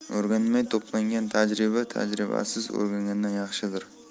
o'rganmay to'plangan tajriba tajribasiz o'rgangandan yaxshidir